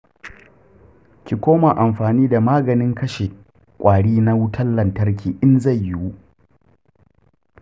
ki koma amfani da maganin kashe ƙwari na wutan lantarki in zai yiwu.